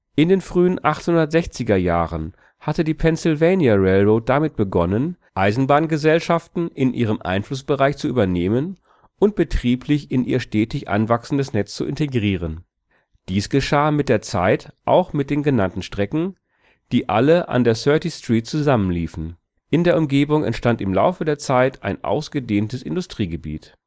In den frühen 1860er Jahren hatte die Pennsylvania Railroad damit begonnen, Eisenbahngesellschaften in ihrem Einflussbereich zu übernehmen und betrieblich in ihr stetig anwachsendes Netz zu integrieren. Dies geschah mit der Zeit auch mit den genannten Strecken, die alle an der 30th Street zusammenliefen. In der Umgebung entstand im Laufe der Zeit ein ausgedehntes Industriegebiet